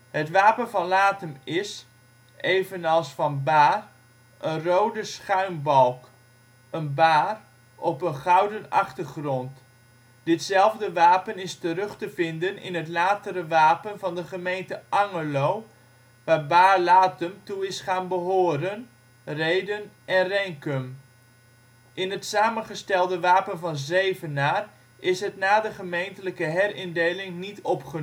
Het wapen van Lathum is - evenals van Bahr - een rode schuin-balk (een Bahr) op een gouden achtergrond. Ditzelfde wapen is terug te vinden in het latere wapen van de gemeente Angerlo waar Bahr-Lathum toe is gaan behoren, Rheden, en Renkum. In het samengestelde wapen van Zevenaar is het na de gemeentelijke her-indeling niet opgenomen